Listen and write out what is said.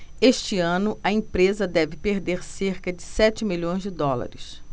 este ano a empresa deve perder cerca de sete milhões de dólares